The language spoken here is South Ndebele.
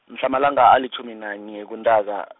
mhla amalanga alitjhumi nanye kuNtaka.